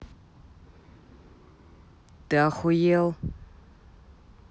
ты охуел